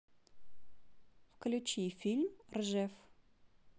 включи фильм ржев